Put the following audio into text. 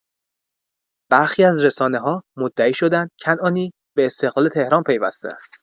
برخی از رسانه‌ها مدعی شدند کنعانی به استقلال تهران پیوسته است